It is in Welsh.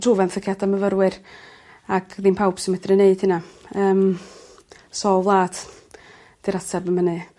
Trw fenthygiada myfyrwyr ac ddim pawb sy medru neud hynna. Yym so y wlad 'di'r atab am ynny.